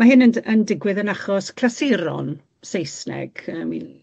ma' hyn yn d- yn digwydd yn achos clasuron Saesneg. Yym i